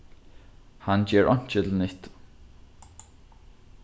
hann ger einki til nyttu